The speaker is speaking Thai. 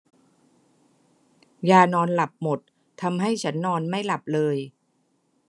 ยานอนหลับหมดทำให้ฉันนอนไม่หลับเลย